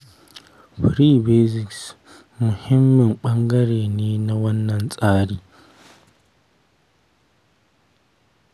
Free Basic'' muhimmin ɓangare ne na wannan tsari.